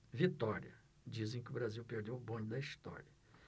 vitória dizem que o brasil perdeu o bonde da história